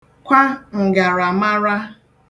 kwa m̀gàràmara